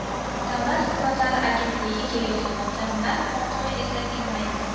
davlat xizmatlari agentligiga kelayotgan odamlar oqimi esa kamaymadi